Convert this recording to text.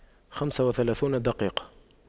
خمس وثلاثون دقيقة